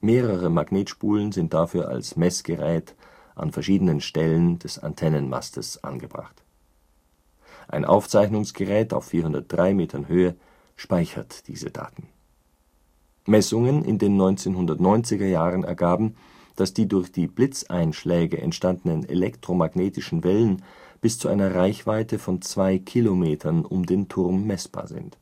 Mehrere Magnetspulen sind dafür als Messgerät an verschiedenen Stellen des Antennenmastes angebracht. Ein Aufzeichnungsgerät auf 403 Meter Höhe speichert diese Daten. Messungen in den 1990er Jahren ergaben, dass die durch die Blitzeinschläge entstandenen elektromagnetischen Wellen bis zu einer Reichweite von zwei Kilometern um den Turm messbar sind.